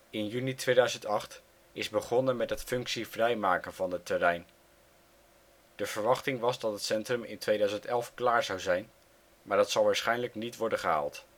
In juni 2008 is begonnen met het functievrij maken van het terrein. De verwachting was dat het centrum in 2011 klaar zou zijn, maar dat zal waarschijnlijk niet worden gehaald